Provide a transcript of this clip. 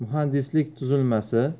muhandislik tuzilmasi